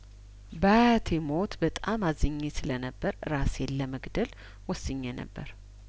በአያቴ ሞት በጣም አዝኜ ስለነበር እራሴን ለመግደል ወስኜ ነበር